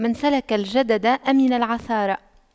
من سلك الجدد أمن العثار